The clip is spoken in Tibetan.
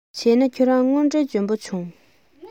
བྱས ན ཁྱེད རང དངོས འབྲེལ འཇོན པོ བྱུང